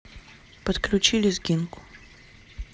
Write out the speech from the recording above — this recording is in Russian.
подключи лезгинку